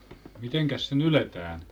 mitenkäs se nyljetään